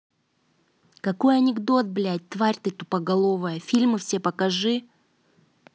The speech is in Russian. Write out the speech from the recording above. какой анекдот блять тварь ты тупоголовая фильмы все покажи